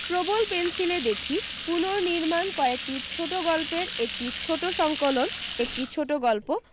প্রবল পেনসিলে দেখি পুনর্নির্মাণ কয়েকটি ছোটো গল্পের একটি ছোটো সংকলন একটি ছোটো গল্প